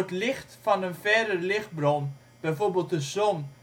licht van een verre lichtbron (bijvoorbeeld de zon